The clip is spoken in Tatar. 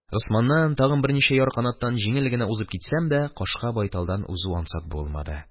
Госманнан, тагын берничә ярканаттан җиңел генә узып китсәм дә, кашка байталдан узу ансат булмады.